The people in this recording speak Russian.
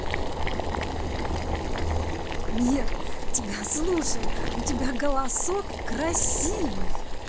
нет тебя слушай у тебя голосок красивый